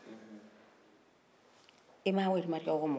i ma foyi kɔlɔsi aw ka mɔgɔ n'ko n y'a kɔlɔsi an ka mɔgɔw la u bɛ mun kɛ